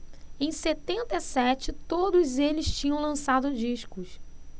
em setenta e sete todos eles tinham lançado discos